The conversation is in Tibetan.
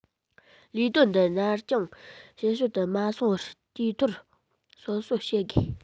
ལས དོན འདི ནར འགྱངས ཕྱི བཤོལ དུ མ སོང བར དུས ཐོག སོ སོར བྱེད དགོས